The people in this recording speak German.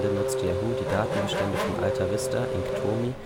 nutzte Yahoo die Datenbestände von Altavista, Inktomi